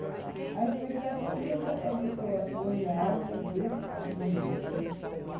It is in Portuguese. a expectativa é de que o real reverta a tendência